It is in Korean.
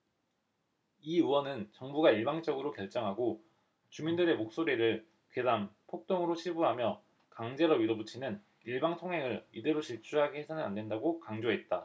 이 의원은 정부가 일방적으로 결정하고 주민들의 목소리를 괴담 폭동으로 치부하며 강제로 밀어붙이는 일방통행을 이대로 질주하게 해서는 안 된다고 강조했다